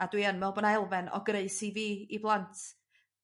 a dw i yn me'wl bo' 'na elfen o greu CV i blant.